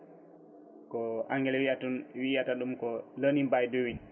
ko Englais wiyata ɗum wiyata ɗum ko ENG